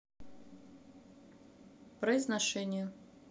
произношение